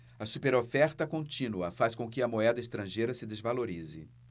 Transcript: a superoferta contínua faz com que a moeda estrangeira se desvalorize